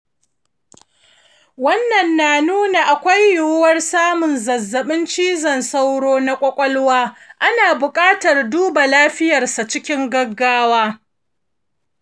wannan na nuna akwai yiwuwar samun zazzabin cizon sauro na kwakwalwa; ana buƙatar duba lafiyarsa cikin gaggawa.